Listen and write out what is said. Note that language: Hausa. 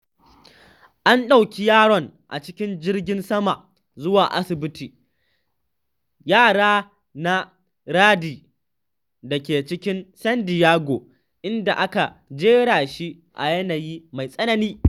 An ɗauki yaron a cikin jirgin sama zuwa Asibitin Yara na Rady da ke cikin San Diego inda aka jera shi a yanayi mai tsanani.